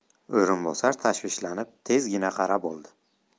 o'rinbosar tashvishlanib tezgina qarab oldi